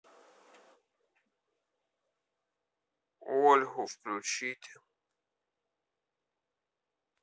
ольгу включите